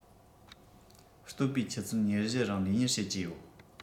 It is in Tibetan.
གཏོད པའི ཆུ ཚོད ༢༤ རིང ལས གཉེར བྱེད ཀྱི ཡོད